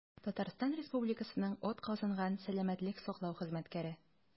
«татарстан республикасының атказанган сәламәтлек саклау хезмәткәре»